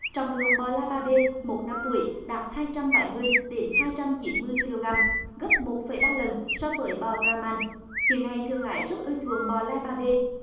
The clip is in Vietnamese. trọng lượng bò lai ba bê một năm tuổi đạt hai trăm bảy mươi đến hai trăm chín mươi ki lô gam gấp một phẩy ba lần so với bò bờ ra man hiện nay thương lái rất ưa chuộng bò lai ba bê